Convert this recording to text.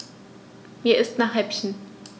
Mir ist nach Häppchen.